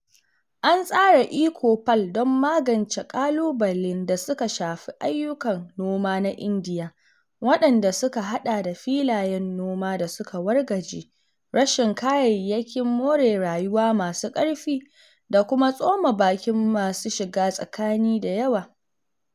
An tsara e-Choupal don magance ƙalubalen da suka shafi ayyukan noma na Indiya, waɗanda suka haɗa da filayen noma da suka wargaje, rashin kayayyakin more rayuwa masu ƙarfi, da kuma tsoma bakin masu shiga tsakani da yawa...